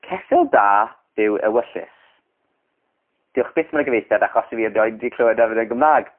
Ceffyl da yw ewyllys. Diolch byth ma' 'na gyfieithiad achosi 'yf fi erioed 'di clywed efyd yn Gymra'g.